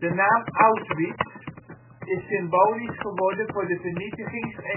naam Auschwitz is symbolisch geworden voor de vernietigings